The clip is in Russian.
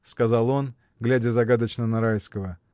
— сказал он, глядя загадочно на Райского.